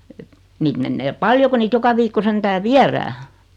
että niitä menee paljon kun niitä joka viikko sentään viedään